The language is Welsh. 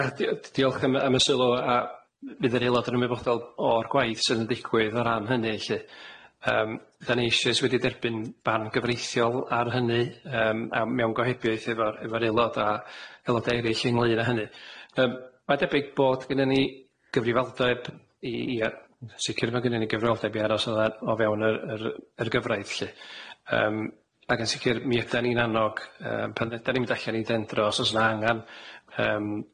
RIe di- diolch am yy am y sylw a- a- bydd yr aelod yn ymwybodol o'r gwaith sy'n yn ddigwydd o ran hynny lly yym dan ni eisioes wedi derbyn barn gyfreithiol ar hynny yym a mewn gohebydd efo'r efo'r aelod a aelodau eryll ynglŷn â hynny yym mae'n debyg bod gennyn ni gyfrifoldeb i i yy sicir ma' gennyn ni gyfrifoldeb i aros o fewn yr yr yr gyfraith lly yym ag yn sicir mi ydan ni'n annog yym pan ydan ni'n mynd allan i dendro os o's na angan yym